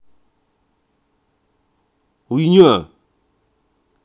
уйня